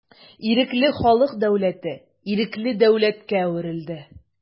Ирекле халык дәүләте ирекле дәүләткә әверелде.